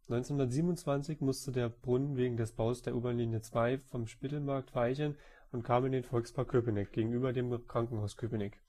1927 musste der Brunnen wegen des Baus der U-Bahnlinie 2 vom Spittelmarkt weichen und kam in den Volkspark Köpenick gegenüber dem Krankenhaus Köpenick